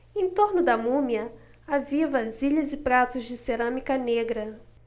em torno da múmia havia vasilhas e pratos de cerâmica negra